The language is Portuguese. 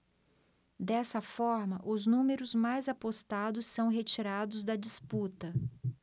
dessa forma os números mais apostados são retirados da disputa